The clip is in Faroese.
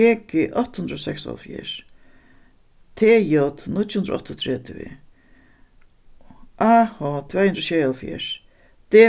g g átta hundrað og seksoghálvfjerðs t j níggju hundrað og áttaogtretivu a h tvey hundrað og sjeyoghálvfjerðs d